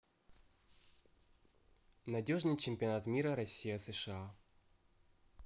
надежный чемпионат мира россия сша